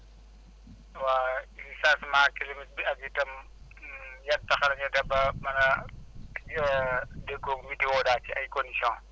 waa si changement climatique bi ak itam yan pexe la ñuy def ba mën a déggoo ak météo daal ci ay conditions